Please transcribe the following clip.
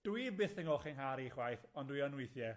Dwi byth yn ngolchi 'nghar i chwaith, ond dwi yn weithie.